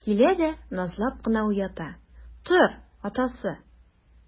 Килә дә назлап кына уята: - Тор, атасы!